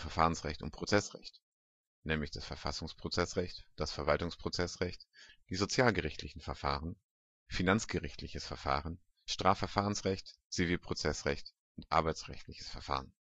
Verfahrensrecht und Prozessrecht Verfassungsprozessrecht Verwaltungsprozessrecht Sozialgerichtliches Verfahren Finanzgerichtliches Verfahren Strafverfahrensrecht Zivilprozessrecht Arbeitsgerichtliches Verfahren